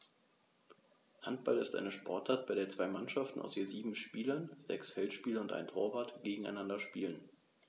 Handball ist eine Sportart, bei der zwei Mannschaften aus je sieben Spielern (sechs Feldspieler und ein Torwart) gegeneinander spielen.